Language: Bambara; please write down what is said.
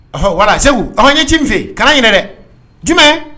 Ɔ wa segu aw ɲɛ ci min fɛ yen ka' yɛrɛ dɛ jumɛn